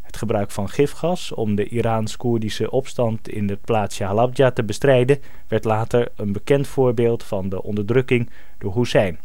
gebruik van gifgassen om een Iraans-Koerdische opstand in het plaatsje Halabja te bestrijden, werd later een bekend voorbeeld van de onderdrukking door Hoessein